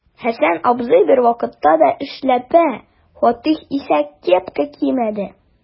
Хәсән абзый бервакытта да эшләпә, Фатих исә кепка кимәде.